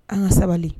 An ka sabali